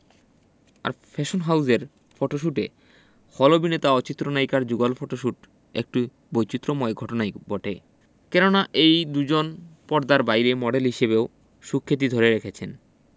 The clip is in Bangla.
আর ফ্যাশন হাউজের ফটোশুটে খল অভিনেতা ও চিত্রনায়িকার যুগল ফটোশুট একটু বৈচিত্রময় ঘটনাই বটে কেননা এই দুইজন পর্দার বাইরে মডেল হিসেবেও সুখ্যাতি ধরে রেখেছেন